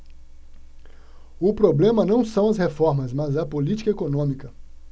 o problema não são as reformas mas a política econômica